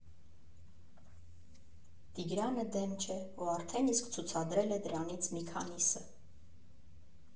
Տիգրանը դեմ չէ ու արդեն իսկ ցուցադրել է դրանից մի քանիսը։